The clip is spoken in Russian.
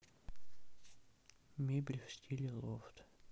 мебель в стиле лофт